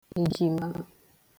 èjìma